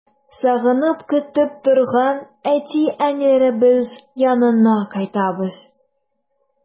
Сагынып көтеп торган әти-әниләребез янына кайтабыз.